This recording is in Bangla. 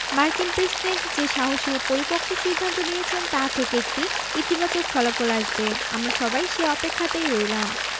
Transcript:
মার্কিন প্রেসিডেন্ট যে সাহসী ও পরিপক্ব সিদ্ধান্ত নিয়েছেন তা থেকে একটি ইতিবাচক ফলাফল আসবে আমরা সবাই সে অপেক্ষাতেই রইলাম